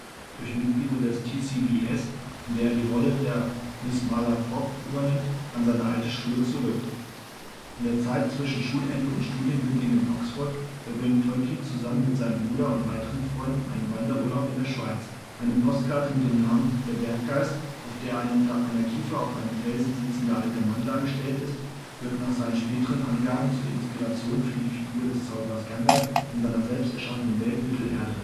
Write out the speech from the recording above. durch Mitglieder des T.C.B.S., in der er die Rolle der Mrs. Malaprop übernimmt, an seine alte Schule zurück. In der Zeit zwischen Schulende und Studienbeginn in Oxford verbringt Tolkien zusammen mit seinem Bruder und weiteren Freunden einen Wanderurlaub in der Schweiz. Eine Postkarte mit dem Namen Der Berggeist, auf der ein unter einer Kiefer auf einem Felsen sitzender alter Mann dargestellt ist, wird nach seinen späteren Angaben zur Inspiration für die Figur des Zauberers Gandalf in seiner selbsterschaffenen Welt Mittelerde